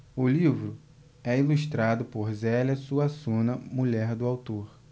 o livro é ilustrado por zélia suassuna mulher do autor